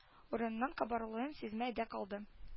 Урыныннан кубарылуын сизми дә калды